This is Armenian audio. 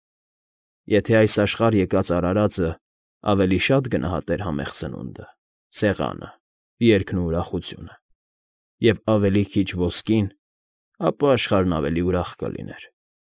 Եթե այս աշխարհ եկած արարածը ավելի շատ գնահատեր համեղ սնունդը, սեղանը, երգն ու ուրախությունը, և ավելի քիչ՝ ոսկին, ապա աշխարհն ավելի ուրախ կլիներ։